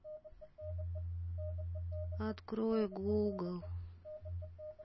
открой гугл